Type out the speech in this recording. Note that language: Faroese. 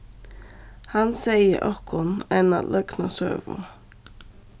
hann segði okkum eina løgna søgu